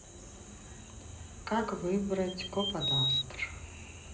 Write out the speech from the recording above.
как выбрать каподастр